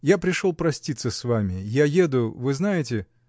— Я пришел проститься с вами; я еду — вы знаете?